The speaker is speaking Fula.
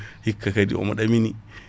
hikka kaadi omo ɗamini